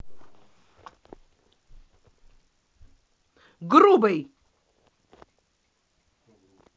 грубый